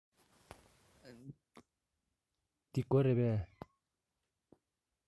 འདི སྒོ རེད པས